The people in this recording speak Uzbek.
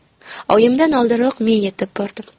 oyimdan oldinroq men yetib bordim